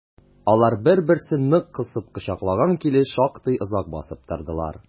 Алар бер-берсен нык кысып кочаклаган килеш шактый озак басып тордылар.